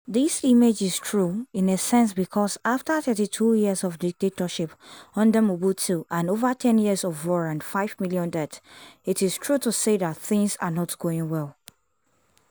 This image is true in a sense because after 32 years of dictatorship under Mobutu and over ten years of war and 5 million dead, it is true to say that things are not going well.